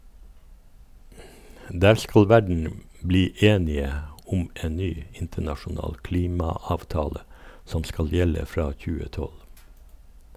Der skal verden bli enige om en ny internasjonal klimaavtale som skal gjelde fra 2012.